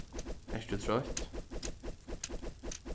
ert tú troytt